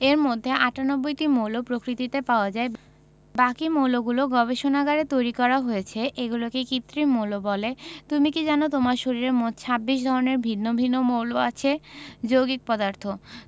এর মধ্যে ৯৮টি মৌল প্রকৃতিতে পাওয়া যায় বাকি মৌলগুলো গবেষণাগারে তৈরি করা হয়েছে এগুলোকে কৃত্রিম মৌল বলে তুমি কি জানো তোমার শরীরে মোট ২৬ ধরনের ভিন্ন ভিন্ন মৌল আছে যৌগিক পদার্থ